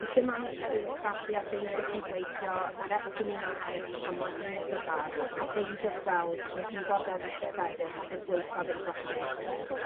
Do's dim amser i'w wastraffu ar beidio cydweithio a'r esgymuno eryll am wahaniaethe barn, a beidio gweld ein diddordebe cyffredin er gwaethaf ein gwahaniaethe.